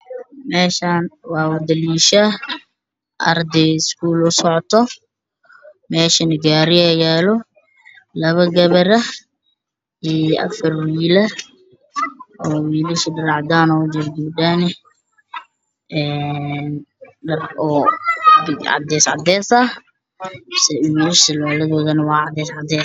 Meeshaan waxaa ka muuqdo wiilal iyo gabdho oo arday ah oo sii socdo midabka dharka ay qabaan waa gabdhaha waa cadays, wiilashana waxay qabaan shaati cadaan iyo surwaal cadays ah